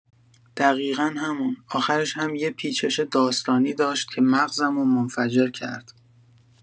دقیقا همون، آخرش هم یه پیچش داستانی داشت که مغزمو منفجر کرد.